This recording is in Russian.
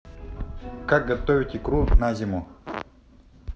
как готовить икру на зиму